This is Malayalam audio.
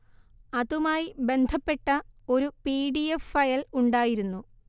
അതുമായി ബന്ധപ്പെട്ട ഒരു പി ഡി എഫ് ഫയൽ ഉണ്ടായിരുന്നു